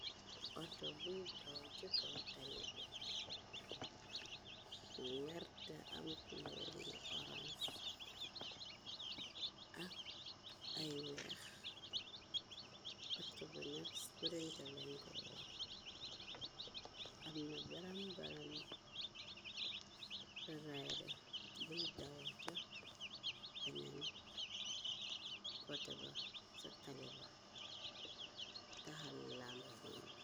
Auto buy daw jëkkaw taib werte am kulori orance ak ay weex. Auto bi nax printelen kay waxAm na baram baram rayda buy daw ca penen kote ba ca taliba taxal lampan.